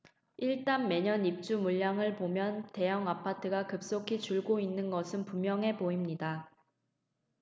일단 매년 입주 물량을 보면 대형아파트가 급속히 줄고 있는 것은 분명해 보입니다